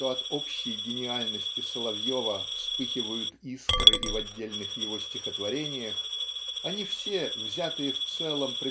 что от общей гениальности Соловьева вспыхивают искры и в отдельных его стихотворениях они все взятые в целом